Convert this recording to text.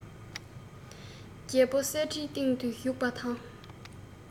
རྒྱལ པོ གསེར ཁྲིའི སྟེང དུ བཞུགས པ དང